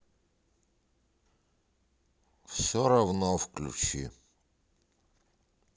все равно включи